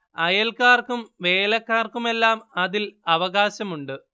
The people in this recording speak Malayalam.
അയൽക്കാർക്കും വേലക്കാർക്കുമെല്ലാം അതിൽ അവകാശമുണ്ട്